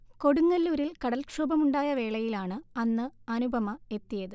കൊടുങ്ങല്ലൂരിൽ കടൽക്ഷോഭമുണ്ടായ വേളയിലാണ് അന്ന് അനുപമ എത്തിയത്